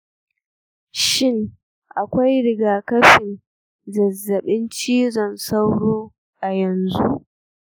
shin akwai rigakafin zazzaɓin cizon sauro a yanzu?